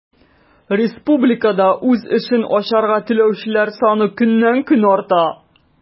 Республикада үз эшен ачарга теләүчеләр саны көннән-көн арта.